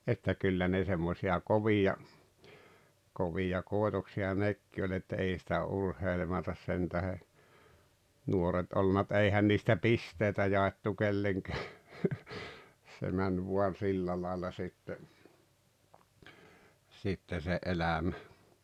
että kyllä ne semmoisia kovia kovia koitoksia nekin oli että ei sitä urheilematta sen tähden nuoret ollut mutta ei eihän niistä pisteitä jaettu kenellekään se meni vain sillä lailla sitten sitten se elämä